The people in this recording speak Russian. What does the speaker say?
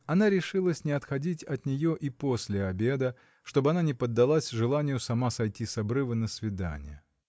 Она решилась не отходить от нее и после обеда, чтоб она не поддалась желанию сама сойти с обрыва на свидание.